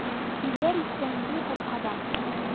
Җилләр искән җилкапкадан!